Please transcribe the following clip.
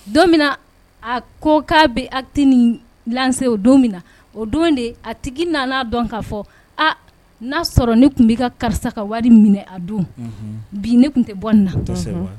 Don min na a ko k'a bɛ at nilan o don min na o don de a tigi nana dɔn k kaa fɔ a n'a sɔrɔ ne tun bɛ' ka karisa ka wari minɛ a don bi ne tun tɛ bɔ na sɔrɔ